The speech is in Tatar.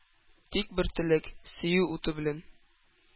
Тик бер теләк: сөю уты белән